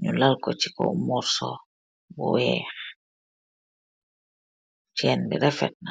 nyu lalko si kaw morso bu waeh, chain bi refetna.